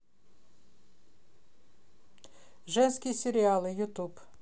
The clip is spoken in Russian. женские сериалы ютуб